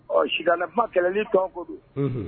Ɔ si kuma kɛlɛ ni tɔ ko don